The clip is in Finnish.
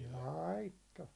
laittoi